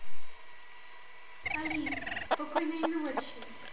алиса спокойной ночи